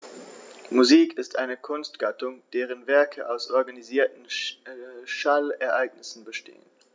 Musik ist eine Kunstgattung, deren Werke aus organisierten Schallereignissen bestehen.